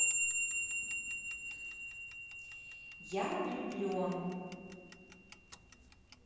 я влюблен